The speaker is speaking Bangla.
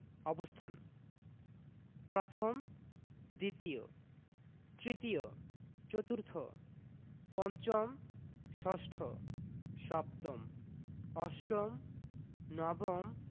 অবস্থানঃ প্রথম দ্বিতীয় তৃতীয় চতুর্থ পঞ্চম ষষ্ঠ সপ্তম অষ্টম নবম